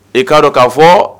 I ka dɔn ka fɔ